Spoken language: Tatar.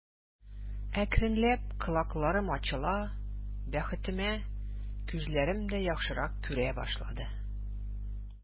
Акрынлап колакларым ачыла, бәхетемә, күзләрем дә яхшырак күрә башлады.